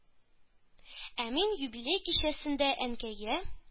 Ә минем юбилей кичәсендә Әнкәйгә,